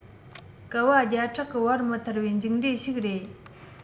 བསྐལ པ བརྒྱ ཕྲག གི བར མི ཐར བའི མཇུག འབྲས ཤིག རེད